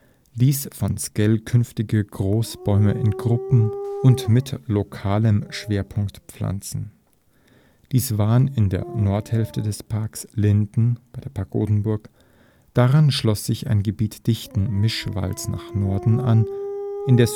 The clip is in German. ließ von Sckell künftige Großbäume in Gruppen und mit lokalem Schwerpunkt pflanzen. Dies waren in der Nordhälfte des Parks: Linden (bei der Pagodenburg), daran schloss sich ein Gebiet dichten Mischwaldes nach Norden an; in der